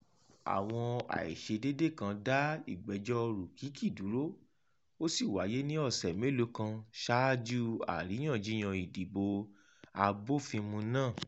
Àwọn àìṣedede kan dá ìgbẹ́jọ́ Rukiki dúró, ó sì wáyé ní ọ̀sẹ̀ mélòó kan ṣáájú àríyànjiyàn ìdìbò abófinmu náà.